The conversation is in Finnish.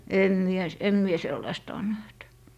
en minä - en minä sellaista ole nähnyt